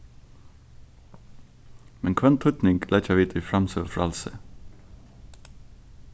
men hvønn týdning leggja vit í framsøgufrælsið